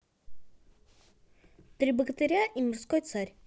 три богатыря и морской царь